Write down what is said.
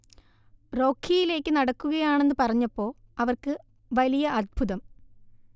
റോഘിയിലേക്ക് നടക്കുകയാണെന്ന് പറഞ്ഞപ്പോ അവർക്ക് വലിയ അത്ഭുതം